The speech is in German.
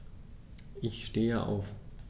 Ich stehe auf.